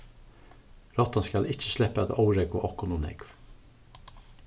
rottan skal ikki sleppa at órógva okkum ov nógv